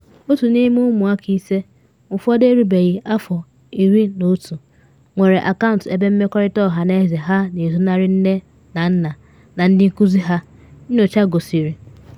Otu n’ime ụmụaka ise - ụfọdụ erubeghị afọ 11 - nwere akaụntụ ebe mmerịkọta ọhaneze ha na ezonarị nne na nna na ndị nkuzi ha, nyocha gosiri